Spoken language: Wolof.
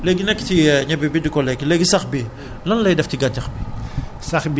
d' acoord léegi nekk ci ñebe bi di ko lekk léegi sax bi lan lay def ci gàncax bi